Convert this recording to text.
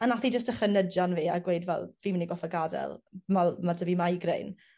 a nath hi jyst dechre nydjan fi a gweud fel fi myn' i go'ffo' gad'el ma' l- ma' 'dy fi migraine.